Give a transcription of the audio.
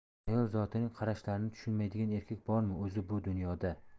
ayol zotining qarashlarini tushunmaydigan erkak bormi o'zi bu dunyoda